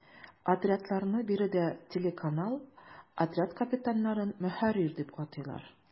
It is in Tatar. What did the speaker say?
Отрядларны биредә “телеканал”, отряд капитаннарын “ мөхәррир” дип атыйлар.